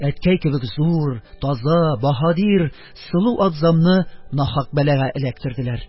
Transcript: Әткәй кебек зур, таза, баһадир, сылу абзамны нахак бәлага эләктерделәр.